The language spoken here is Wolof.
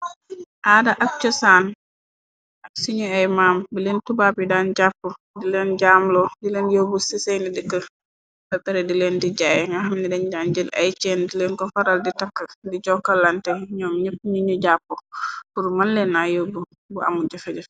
Aada ak cosaan ak si ñu ay maam, bu leen tuba bi daan jàpp jaamlo, di leen yóbbu ci sayni dëkk. Peppre di leen dijjaaye nga xam ni dañ janjël ay cenn di leen ko faral di takk , di jokkalante ñoom ñepp ñiñu jàpp pur mën leen na yóbb bu amu jafe jefe.